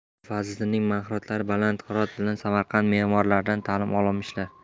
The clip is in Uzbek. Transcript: mulla fazliddinning mahoratlari baland hirot bilan samarqand memorlaridan talim olmishlar